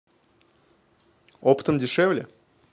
оптом дешевле